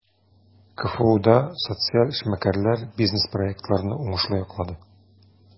КФУда социаль эшмәкәрләр бизнес-проектларны уңышлы яклады.